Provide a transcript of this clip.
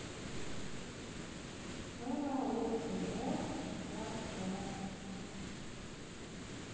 караоке мот капкан